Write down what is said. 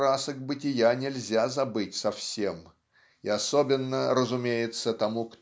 красок бытия нельзя забыть совсем и особенно разумеется тому